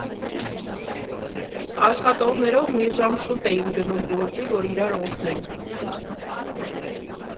«Աշխատողներով մի ժամ շուտ էինք գնում գործի, որ իրար օգնենք։